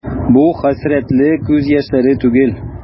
Бу хәсрәтле күз яшьләре түгел.